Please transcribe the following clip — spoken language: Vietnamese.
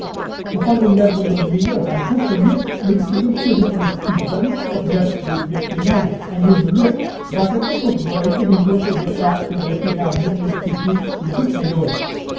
một phát ngôn nhân quân đội mỹ ở hàn quốc cho biết binh sĩ chưa nhận được chỉ dẫn cập nhật về việc tiến hành hay ngừng huấn luyện và sẽ tiếp tục với tình hình quân sự hiện tại cho tới khi nào nhận được chỉ thị chính thức thay đổi